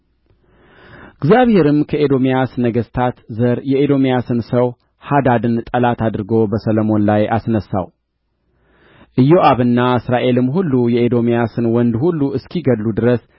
እግዚአብሔርም ከኤዶምያስ ነገሥታት ዘር የኤዶምያስን ሰው ሃዳድን ጠላት አድርጎ በሰሎሞን ላይ አስነሣው ኢዮአብና እስራኤልም ሁሉ የኤዶምያስን ወንድ ሁሉ እስኪገድሉ ድረስ